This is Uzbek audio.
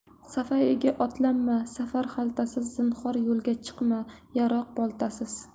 safaiga otlanma safar xaltasiz zinhor yo'lga chiqma yaroq boltasiz